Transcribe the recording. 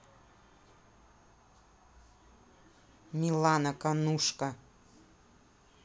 милана канушка